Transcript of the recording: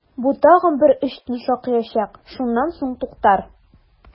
Бу тагын бер өч төн шакыячак, шуннан соң туктар!